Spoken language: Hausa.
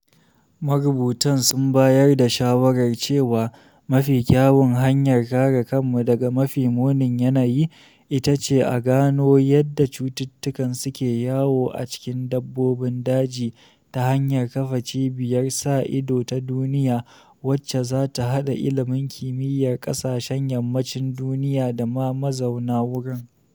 “Marubutan sun bayar da shawarar cewa mafi kyawun hanyar kare kanmu daga mafi munin yanayi, ita ce gano yadda cututtukan suke yawo a cikin dabbobin daji, ta hanyar kafa cibiyar sa ido ta duniya wacce za ta haɗa ilimin kimiyyar ƙasashen yammacin duniya da na mazauna wurin”.